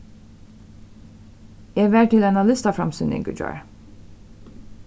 eg var til eina listaframsýning í gjár